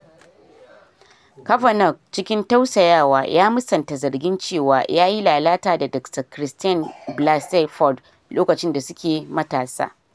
Kavanaugh cikin tausayawa ya musanta zargin cewa ya yi lalata da Dr. Christine Blasey Ford lokacin da suke matasa.